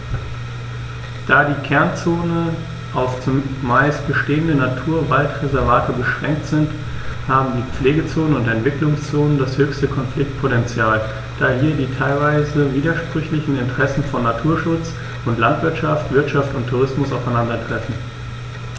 Da die Kernzonen auf – zumeist bestehende – Naturwaldreservate beschränkt sind, haben die Pflegezonen und Entwicklungszonen das höchste Konfliktpotential, da hier die teilweise widersprüchlichen Interessen von Naturschutz und Landwirtschaft, Wirtschaft und Tourismus aufeinandertreffen.